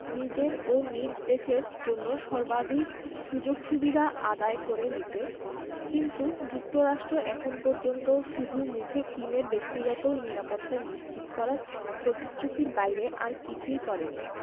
নিজের ও নিজ দেশের জন্য সর্বাধিক সুযোগ সুবিধা আদায় করে নিতে কিন্তু যুক্তরাষ্ট্র এখন পর্যন্ত শুধু মুখে কিমের ব্যক্তিগত নিরাপত্তা নিশ্চিত করার প্রতিশ্রুতির বাইরে আর কিছুই করেনি